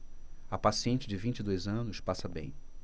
a paciente de vinte e dois anos passa bem